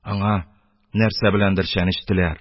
Аңа нәрсә беләндер чәнечтеләр.